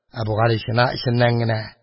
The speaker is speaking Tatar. Әбүгалисина эченнән генә